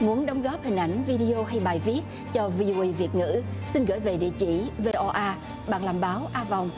muốn đóng góp hình ảnh vi đi ô hay bài viết cho vi ô uây việt ngữ xin gửi về địa chỉ vê o a bạn làm báo a vòng